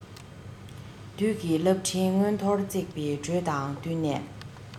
དུས ཀྱི རླབས ཕྲེང མངོན མཐོར བརྩེགས པའི འགྲོས དང བསྟུན ནས